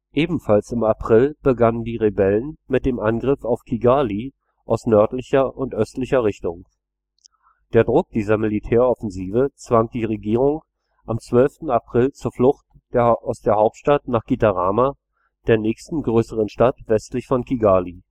Ebenfalls im April begannen die Rebellen mit dem Angriff auf Kigali aus nördlicher und östlicher Richtung. Der Druck dieser Militäroffensive zwang die Regierung am 12. April zur Flucht aus der Hauptstadt nach Gitarama, der nächsten größeren Stadt westlich von Kigali